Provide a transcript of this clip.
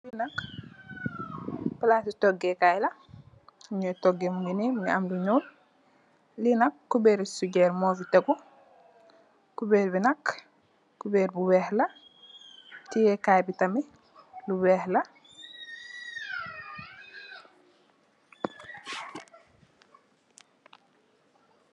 Li nak plati togeh kai la li nyoo togeh mungi nee mungi am lu nyooli nak b Kubeer sujeer mofi tegu kubeer bi nak kubeer bu weex la tiyeh kai bi tamit lu weex la